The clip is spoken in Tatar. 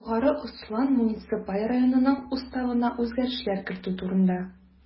Югары Ослан муниципаль районынның Уставына үзгәрешләр кертү турында